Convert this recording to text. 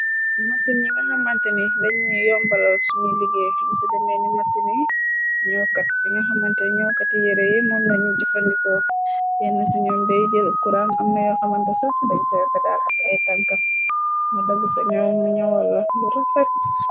Ni masini yi nga xamante ni dañyi yombalal suñu liggéey mu ci demee ni masini ñoowkat bi nga xamante ñow kati yere yi moom nañu jufandikoo yenn siñu dëy jël kuran am noyo xamante sa dañ koy bedaal ak ay tank mu dagg sa ñow mu ñawal la lu rafet.